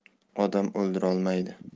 odam o'ldirolmaydi